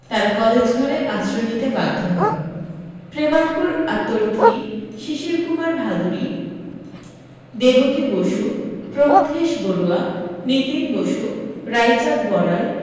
তাঁরা কলেজ ঘরে আশ্রয় নিতে বাধ্য হন প্রেমাঙ্কুর আতর্থী শিশিরকুমার ভাদুড়ী দেবকী বসু প্রমথেশ বড়ুয়া নীতিন বসু রাইচাঁদ বড়াল